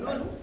loolu